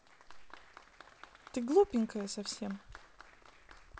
ты глупенькая совсем